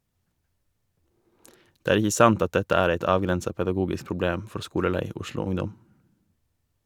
Det er ikkje sant at dette er eit avgrensa pedagogisk problem for skolelei Oslo-ungdom.